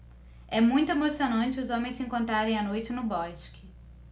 é muito emocionante os homens se encontrarem à noite no bosque